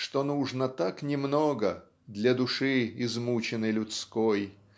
что нужно так немного Для души измученной людской